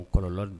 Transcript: Kɔrɔla